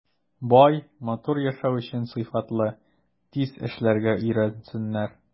Бай, матур яшәү өчен сыйфатлы, тиз эшләргә өйрәнсеннәр.